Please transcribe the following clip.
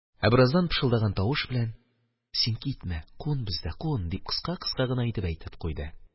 Ә бераздан пышылдаган тавыш белән: – Син китмә! Кун бездә, кун, – дип, кыска-кыска гына итеп әйтеп куйды.